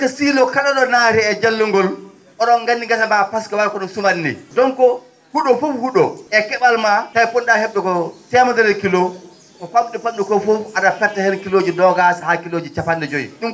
pasque siiloo kala ?o naati e e jallungol o?on nganndi ngesa mbaa pasque wayi kono sumat ni donc hu?o pour hu?o e ke?al ma tawi po??a he?de ko temedere kilos ko fam?i fam?i ko fof a?a perta heen kilo ji noogas haa kilos ji cappan?e joyi